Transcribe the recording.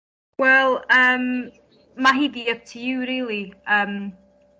Wel yym ma' hi 'di up to you really yym